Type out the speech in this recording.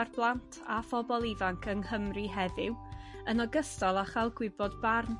ar blant a phobol ifanc yng Nghymru heddiw yn ogystal â cha'l gwybod barn